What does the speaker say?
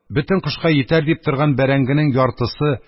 Бөтен кышка йитәр дип торган бәрәңгенең яртысы